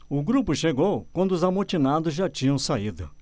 o grupo chegou quando os amotinados já tinham saído